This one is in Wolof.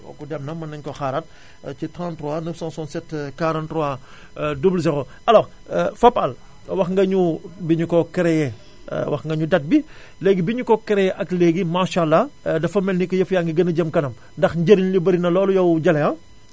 kooku dem na mën nañu ko xaaraat ci 33 967 43 00 alors Fapal wax nga ñu bi ñu ko créée wax nga ñu date bi léegi bi ñu ko créée ak léegi maasàllaa dafa mel ni que yëf yaa ngi gën a jëm kanam ndax njariñ li bari na lool yow Jalle h